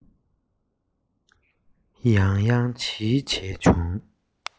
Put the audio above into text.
ཡང ཡང བྱིལ བྱས བྱུང